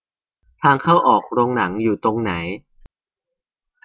ทางเข้าออกโรงหนังอยู่ตรงไหน